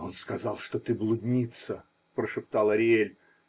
-- Он сказал, что ты блудница, -- прошептал Ариэль.